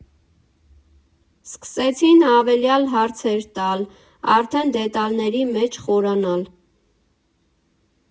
Սկսեցին հավելյալ հարցեր տալ, արդեն դետալների մեջ խորանալ։